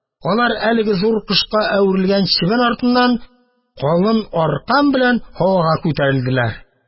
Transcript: Алар әлеге зур кошка әверелгән чебен артыннан калын аркан белән һавага күтәрелделәр.